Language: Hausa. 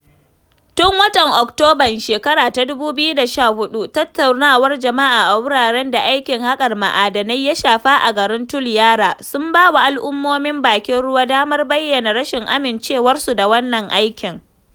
Tun watan Oktoban 2014, tattaunawar jama’a a wuraren da aikin haƙar ma’adinai ya shafa a garin Toliara sun bawa al’ummomin bakin ruwa damar bayyana rashin amincewarsu da wannan aikin.